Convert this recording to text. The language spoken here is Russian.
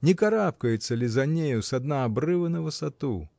Не карабкается ли за нею со дна обрыва на высоту?